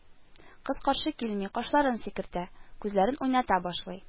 Кыз каршы килми, кашларын сикертә, күзләрен уйната башлый